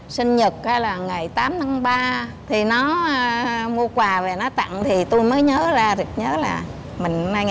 sinh nhật hay là ngày tám tháng ba thì nó mua quà về nó tặng thì tôi mới nhớ ra sực nhớ là mình nay